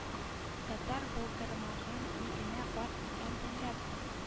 Татар булдырмаган ни генә бар икән дөньяда